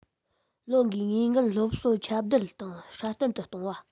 ལོ དགུའི འོས འགན སློབ གསོ ཁྱབ བརྡལ དང སྲ བརྟན དུ གཏོང བ